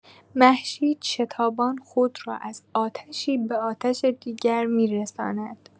مهشید شتابان خود را از آتشی به آتش دیگر می‌رساند.